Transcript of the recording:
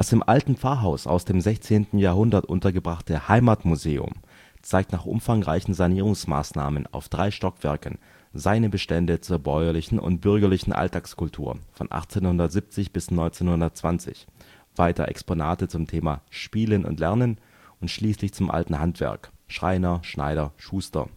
im Alten Pfarrhaus aus dem 16. Jahrhundert untergebrachte Heimatmuseum zeigt nach umfangreichen Sanierungsmaßnahmen auf drei Stockwerken seine Bestände zur bäuerlichen und bürgerlichen Alltagskultur von 1870 bis 1920, weiter Exponate zum Thema „ Spielen und Lernen “und schließlich zum alten Handwerk (Schreiner, Schneider, Schuster